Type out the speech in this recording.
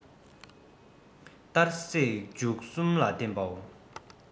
གཏར སྲེག བྱུག གསུམ ལ བརྟེན པའོ